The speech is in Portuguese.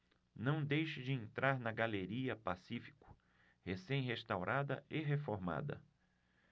não deixe de entrar na galeria pacífico recém restaurada e reformada